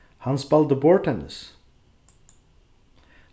hann spældi borðtennis